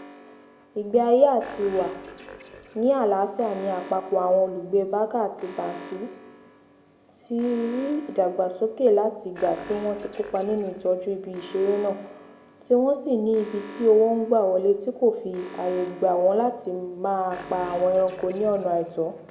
Boumba Bek jẹ́ agbègbè aláàbò tí ó ní ìwọ̀nba àyè láti ṣe àwọn àmúṣe rẹ̀.